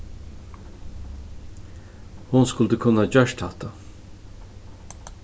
hon skuldi kunnað gjørt hatta